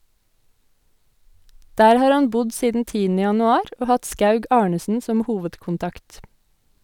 Der har han bodd siden 10. januar og hatt Skaug Arnesen som hovedkontakt.